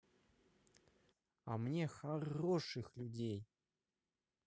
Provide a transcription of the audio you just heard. а мне хороших людей